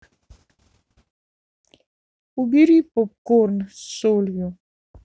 убери попкорн с солью